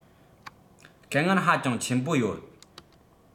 དཀའ ངལ ཧ ཅང ཆེན པོ ཡོད